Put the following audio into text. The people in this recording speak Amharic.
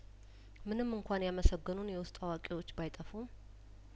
ምንም እንኳን ያመሰገኑን የውስጥ አዋቂዎች ባይጠፉም